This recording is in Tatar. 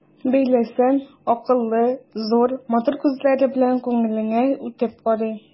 Бәйләсәң, акыллы, зур, матур күзләре белән күңелеңә үтеп карый.